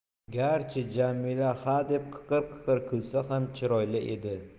garchi jamila hadeb qiqir qiqir kulsa ham chiroyli edi